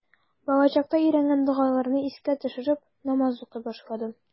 Балачакта өйрәнгән догаларны искә төшереп, намаз укый башладым.